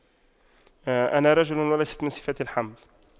انا رجل وليست من صفتي الحمل